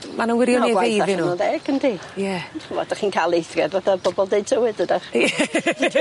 Ma' 'na wirionedd iddyn nw? gwaith allan o deg yndi. Ie. Ch'mod dych chi'n ca'l eithriad fatha bobol deud tywydd ydach? Ie.